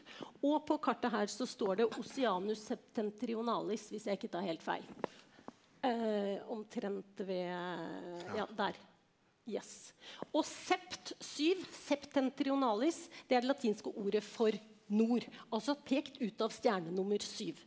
og på kartet her så står det hvis jeg ikke tar helt feil omtrent ved ja der yes og sept syv det er det latinske ordet for nord altså pekt ut av stjerne nummer syv.